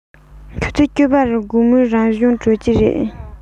ཆུ ཚོད བཅུ པར དགོང མོའི རང སྦྱོང གྲོལ གྱི རེད